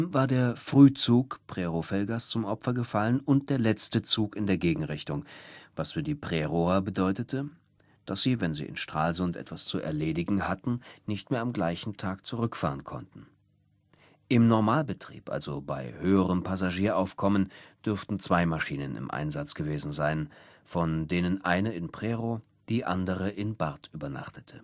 Der Frühzug Prerow – Velgast und der letzte Zug in der Gegenrichtung waren eingestellt worden, was für die Prerower bedeutete, dass sie, wenn sie in Stralsund etwas zu erledigen hatten, nicht mehr am gleichen Tag zurückfahren konnten. Im Normalbetrieb, also bei höherem Passagieraufkommen, dürften zwei Maschinen im Einsatz gewesen sein, von denen eine in Prerow, die andere in Barth über Nacht